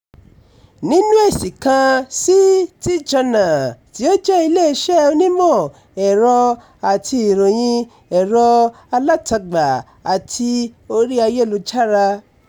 Nínú èsì kan sí TJournal, tí ó jẹ́ iléeṣẹ́ onímọ̀-ẹ̀rọ àti ìròyìn ẹ̀rọ alátagbà àti orí ayélujára.